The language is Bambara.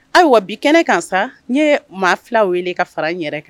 Ayiwa bi kɛnɛ ka sa n ye maa fila wele ka fara yɛrɛ kan